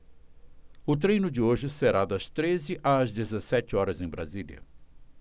o treino de hoje será das treze às dezessete horas em brasília